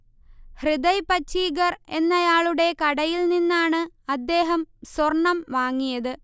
ഹൃദയ് പഛീഗർ എന്നയാളുടെ കടയിൽനിന്നാണ് അദ്ദേഹം സ്വർണം വാങ്ങിയത്